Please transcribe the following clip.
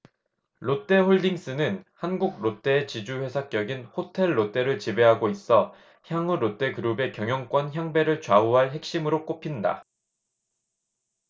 롯데홀딩스는 한국 롯데의 지주회사격인 호텔롯데를 지배하고 있어 향후 롯데그룹의 경영권 향배를 좌우할 핵심으로 꼽힌다